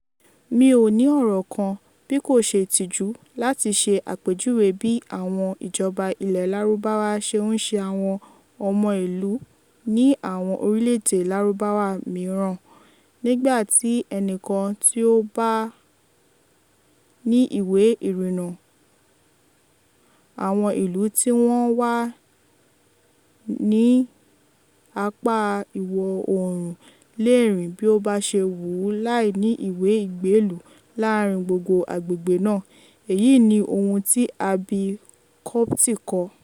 Mi ò ní ọ̀rọ̀ kan, bí kò ṣe ìtìjú, láti ṣe àpèjúwe bí àwọn ìjọba ilẹ̀ Lárúbáwá ṣe ń ṣe àwọn ọmọ ìlú ni àwọn orílẹ̀ èdè Lárúbáwá mìíràn, nígbà tí ẹnì kan tí ó bá ní ìwé ìrìnnà àwọn ìlú tí wọ́n wà ní apá ìwọ̀ oòrùn lè rìn bí ó bá ṣe wù ú láì ní ìwé ìgbélù láàárín gbogbo àgbègbè náà, " èyí ni ohun tí Abir Kopty kọ.